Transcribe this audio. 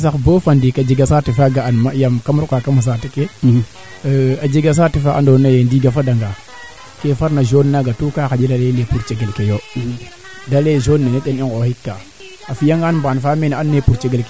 d' accord kaa i nga'e aussi o ndeeta ngaan nuun xoxox we bes o qol leeke o dufa ngaaan pooɗ no ndiing neeke ndiing ne na gara o duufin a areer keene pour xaro yaakaro ye den waralu de mbiya kaaga